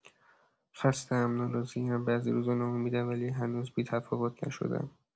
خسته‌ام، ناراضی‌ام، بعضی روزا ناامیدم، ولی هنوز بی‌تفاوت نشدم.